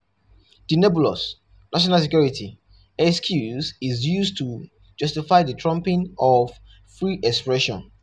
The nebulous "national security" excuse is used to justify the trumping of free expression.